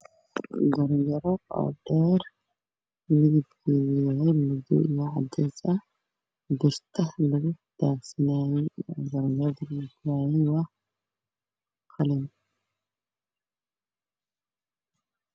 Jaranjaro dheer midabkeedu yahay madow iyo cadees